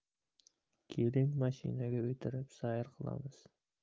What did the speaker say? keling mashinada o'tirib sayr qilamiz